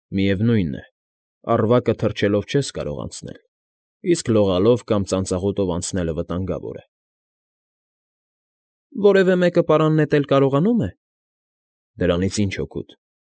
Միևնույն է, առվակը թռչելով չես կարող անցնել, իսկ լողալով կամ ծանծաղուտով անցնելը վտանգավոր է։ ֊ Որևէ մեկը պարան նետել կարողանո՞ւմ է։ ֊ Դրանից ի՞նչ օգուտ։